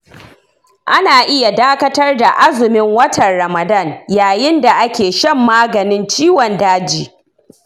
ana iya dakatar da azumin watan ramadan yayin da ake shan maganin ciwon daji.